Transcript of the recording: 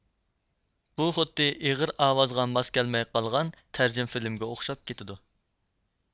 بۇ خۇددى ئېغىز ئاۋازغا ماس كەلمەي قالغان تەرجىمە فىلىمگە ئوخشاپ كېتىدۇ